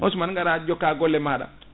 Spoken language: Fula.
on suman gara jokka gollemaɗa